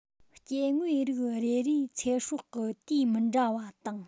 སྐྱེ དངོས རིགས རེ རེའི ཚེ སྲོག གི དུས མི འདྲ བ དང